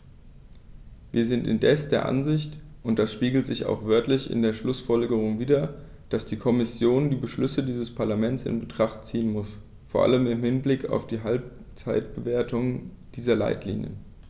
Wir sind indes der Ansicht und das spiegelt sich auch wörtlich in den Schlussfolgerungen wider, dass die Kommission die Beschlüsse dieses Parlaments in Betracht ziehen muss, vor allem im Hinblick auf die Halbzeitbewertung dieser Leitlinien.